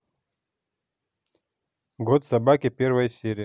год собаки первая серия